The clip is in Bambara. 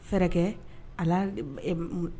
Fɛɛrɛ kɛ, a la n